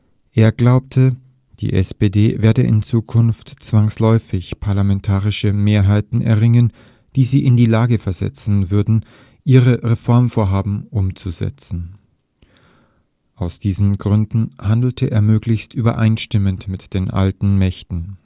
Er glaubte, die SPD werde in Zukunft zwangsläufig parlamentarische Mehrheiten erringen, die sie in die Lage versetzen würden, ihre Reformvorhaben umzusetzen. Aus diesen Gründen handelte er möglichst übereinstimmend mit den alten Mächten